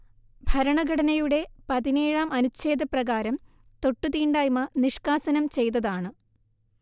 ഭരണഘടനയുടെ പതിനേഴാം അനുഛേദപ്രകാരം തൊട്ടുതീണ്ടായ്മ നിഷ്കാസനം ചെയ്തതാണ്